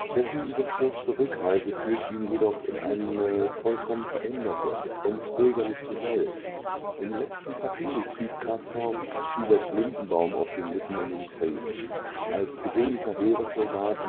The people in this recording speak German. Dessen überstürzte Rückreise führt ihn jedoch in eine vollkommen veränderte – entbürgerlichte – Welt. Im letzten Kapitel zieht Castorp, Schuberts Lindenbaum auf den Lippen, in den Krieg. Als gewöhnlicher Heeressoldat